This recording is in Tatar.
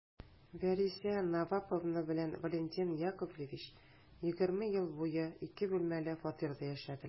Вәриса Наваповна белән Валентин Яковлевич егерме ел буе ике бүлмәле фатирда яшәделәр.